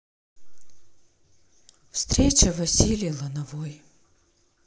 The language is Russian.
встреча василий лановой